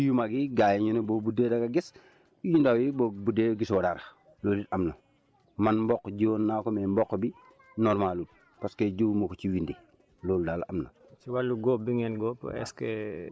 gerte gi tam aussi ah am na nji yu mag yi gaa yi ñu ne boo buddee danga gis yu ndaw yi boo buddee gisoo dara loolu it am na man mboq jiwoon naa ko mais mboq bi normal lul parce que jiwuma ko ci * loolu daal am na